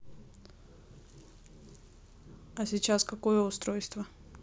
а сейчас какое устройство